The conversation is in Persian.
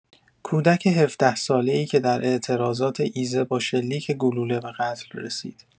کودک هفده‌ساله‌ای که در اعتراضات ایذه با شلیک گلوله به قتل رسید